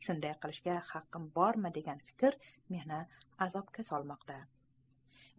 shunday qilishga haqqim bormi degan fikr meni azobga solmoqda